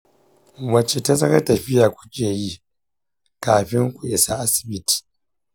wace tazarar tafiya kuke yi kafin ku isa asibiti?